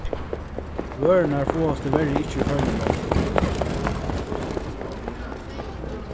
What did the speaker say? vørurnar fáast tíverri ikki í føroyum longur